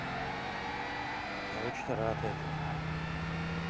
я очень рад этому